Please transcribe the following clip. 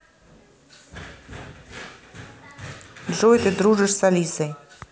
джой ты дружишь с алисой